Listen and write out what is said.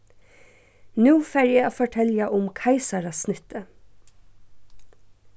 nú fari eg at fortelja um keisarasnittið